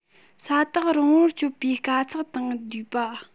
ས ཐག རིང པོར བསྐྱོད པའི དཀའ ཚེགས དང བསྡོས པ